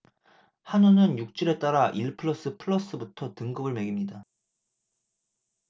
한우는 육질에 따라 일 플러스 플러스부터 등급을 매깁니다